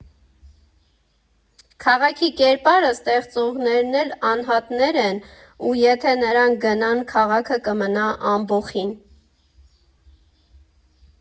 Քաղաքի կերպարը ստեղծողներն էլ անհատներն են, ու եթե նրանք գնան, քաղաքը կմնա ամբոխին։